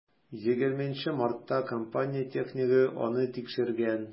20 мартта компания технигы аны тикшергән.